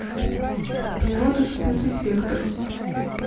природа в спецэффектах